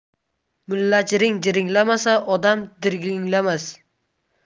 mullajiring jiringlamasa odam dirrnglamas